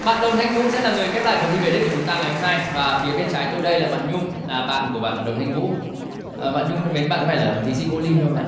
bạn đồng thanh vũ sẽ là người khép lại phần thi về đích của chúng ta ngày hôm nay và phía bên trái tôi đây là bạn nhung là bạn của bạn đồng thanh vũ ờ bạn nhung thân mến bạn có phải là thí sinh ô lim đâu mà